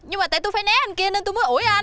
nhưng mà tại tui phải né anh kia nên tui mới ủi anh